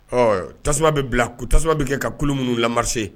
Ɔ tasuma bɛ bila u tasumaba bɛ kɛ kakulu minnu lamarise